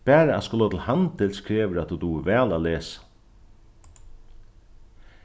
bara at skula til handils krevur at tú dugir væl at lesa